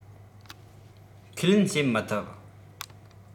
ཁས ལེན བྱེད མི ཐུབ